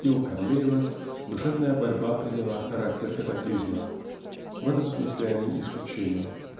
и у Карлейля душевная борьба приняла характер катаклизма в этом смысле они -- исключение.